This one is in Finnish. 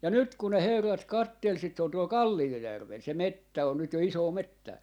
ja nyt kun ne herrat katseli sitä se on tuolla Kalliojärvellä se metsä on nyt jo isoa metsää